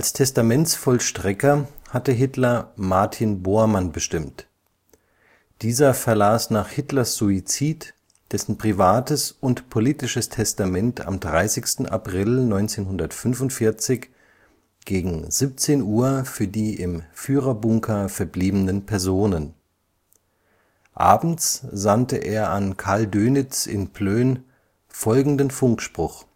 Testamentsvollstrecker hatte Hitler Martin Bormann bestimmt. Dieser verlas nach Hitlers Suizid dessen privates und politisches Testament am 30. April 1945 gegen 17:00 Uhr für die im Führerbunker verbliebenen Personen. Abends sandte er an Karl Dönitz in Plön folgenden Funkspruch